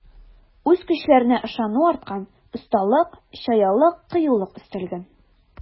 Үз көчләренә ышану арткан, осталык, чаялык, кыюлык өстәлгән.